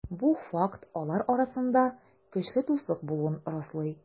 Бу факт алар арасында көчле дуслык булуын раслый.